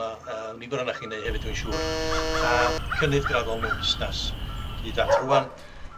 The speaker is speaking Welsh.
ma' yy nifer onoch chi'n neu' hefyd dwi'n siŵr a cynnydd graddol mewn busnas hyd at rŵan.